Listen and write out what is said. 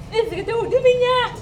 E Zegete o dun bi ɲaaa